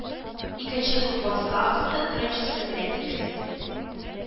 Икенче купон ставкасы беренчесенекенә тигез